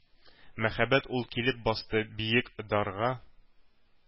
Мәһабәт ул килеп басты биек «дар»га.